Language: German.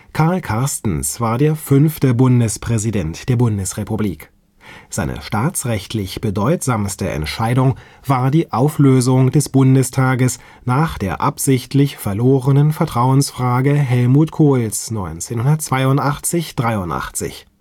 Karl Carstens war der fünfte Bundespräsident der Bundesrepublik. Seine staatsrechtlich bedeutsamste Entscheidung war die Auflösung des Bundestages nach der absichtlich verlorenen Vertrauensfrage Helmut Kohls 1982 / 1983